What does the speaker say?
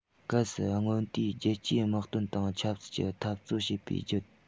གལ སྲིད སྔོན དུས རྒྱལ སྤྱིའི དམག དོན དང ཆབ སྲིད ཀྱི འཐབ རྩོད བྱེད པའི རྒྱབ ཏུ